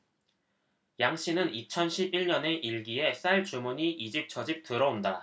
양씨는 이천 십 일 년에 일기에 쌀 주문이 이집저집 들어온다